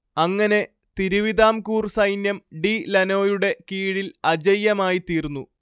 അങ്ങനെ തിരുവിതാംകൂർ സൈന്യം ഡി ലനോയുടെ കീഴിൽ അജയ്യമായിത്തീർന്നു